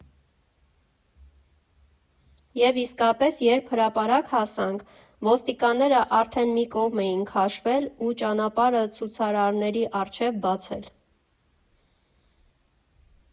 Եվ իսկապես, երբ հրապարակ հասանք, ոստիկանները արդեն մի կողմ էին քաշվել ու ճանապարհը ցուցարարների առջև բացել։